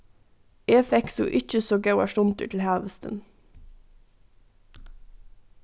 eg fekk so ikki so góðar stundir til havhestin